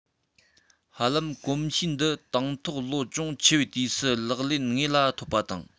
ཧ ལམ གོམས གཤིས འདི དང ཐོག ལོ ཅུང ཆེ བའི དུས སུ ལག ལེན དངོས ལས ཐོབ པ དང